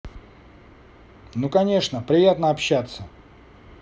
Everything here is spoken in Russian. ну конечно приятельно общаться